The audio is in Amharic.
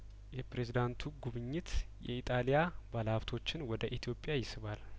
የፕሬዝዳንቱ ጉብኝት የኢጣልያ ባለሀብቶችን ወደ ኢትዮጵያ ይስባል